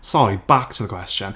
Sorry, back to the question.